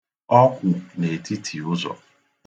Ọ kwụ n'etiti ụzọ.